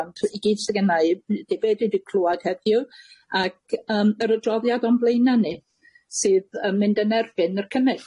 Ond i gyd sydd genna i ydi be' dwi 'di clwad heddiw ag yym yr adroddiad o'n blaena' ni, sydd yn mynd yn erbyn yr cynnig.